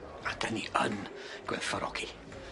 A 'dyn ni yn gwerthfawrogi.